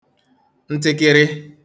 ntịkịrị